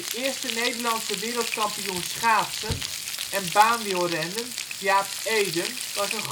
eerste Nederlandse wereldkampioen schaatsen (en baanwielrennen) Jaap Eden was een